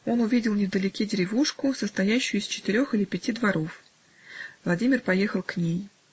Он увидел невдалеке деревушку, состоящую из четырех или пяти дворов. Владимир поехал к ней.